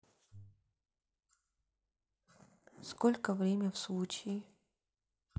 сколько время в случае